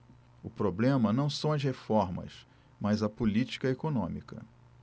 o problema não são as reformas mas a política econômica